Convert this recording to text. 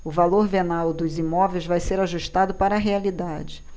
o valor venal dos imóveis vai ser ajustado para a realidade